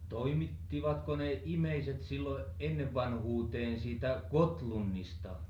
toimittivatko ne ihmiset silloin ennen vanhuuteen siitä Gottlundista